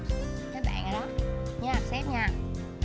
các bạn